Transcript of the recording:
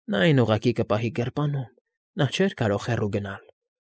Նա այն ուղղակի կպահի գրպանում։ Նա չէր կարող հեռու գնալ։